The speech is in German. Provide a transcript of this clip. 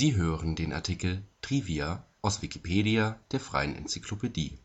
hören den Artikel Trivia, aus Wikipedia, der freien Enzyklopädie